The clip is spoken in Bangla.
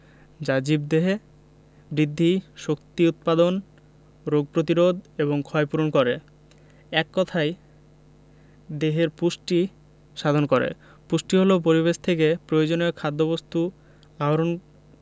যা জীবদেহে বৃদ্ধি শক্তি উৎপাদন রোগ প্রতিরোধ এবং ক্ষয়পূরণ করে এক কথায় দেহের পুষ্টি সাধন করে পুষ্টি হলো পরিবেশ থেকে প্রয়োজনীয় খাদ্যবস্তু আহরণ